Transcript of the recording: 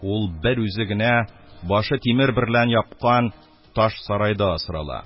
Ул бер үзе генә башы тимер берлән япкан таш сарайда асрала.